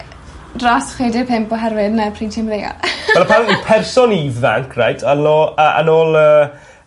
...dros chwe de' pump oherwydd 'na pry' ti'n ymddeol? Wel apparently person ifanc reit yn lo- yy yn ôl y